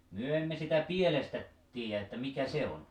me emme sitä pielestä tiedä että mikä se on